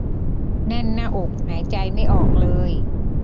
แน่นหน้าอกหายใจไม่ออกเลย